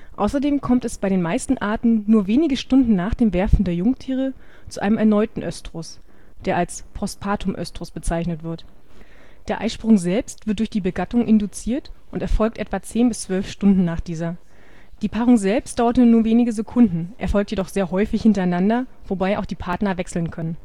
Außerdem kommt es bei den meisten Arten nur wenige Stunden nach dem Werfen der Jungtiere zu einem erneuten Östrus, der als Postpartum-Östrus bezeichnet wird. Der Eisprung selbst wird durch die Begattung induziert und erfolgt etwa 10 bis 12 Stunden nach dieser. Die Paarung selbst dauert nur wenige Sekunden, erfolgt jedoch sehr häufig hintereinander, wobei auch die Partner wechseln können